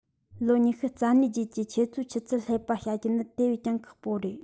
ལོ ཉི ཤུ རྩ གཉིས རྗེས ཀྱི ཁྱེད ཚོའི ཆུ ཚད དུ སླེབས པ བྱ རྒྱུ ནི དེ བས ཀྱང ཁག པོ རེད